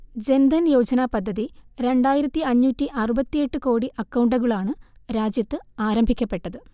ജൻധൻ യോജന പദ്ധതി രണ്ടായിരത്തി അഞ്ഞൂറ്റി അറുപത്തിയെട്ട് കോടി അക്കൗണ്ടുകളാണ് രാജ്യത്ത് ആരംഭിക്കപ്പെട്ടത്